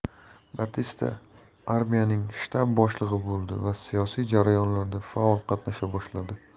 batista armiyaning shtab boshlig'i bo'ldi va siyosiy jarayonlarda faol qatnasha boshladi